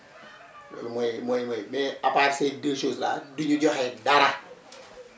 loolu mooy mooy mooy mais à part ces deux choses là duñu joxe dara